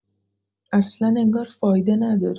اصلا انگار فایده نداره